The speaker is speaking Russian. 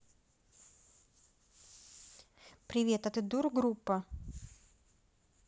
привет а ты дура группа